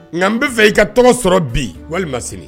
Nka n b' fɛ i ka tɔgɔ sɔrɔ bi walima ma sini